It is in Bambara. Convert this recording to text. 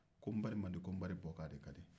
ko nbari man di ko nbari bɔ kan de ka di